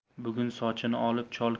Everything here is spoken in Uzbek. bugun sochini olib chol